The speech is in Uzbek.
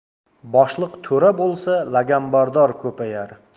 boshliq to'ra bo'lsa laganbardor ko'payar